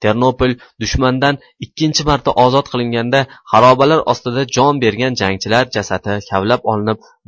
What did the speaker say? ternopol dushmandan ikkinchi marta ozod qilinganda xarobalar ostida jon bergan jangchilar jasadi kavlab olinib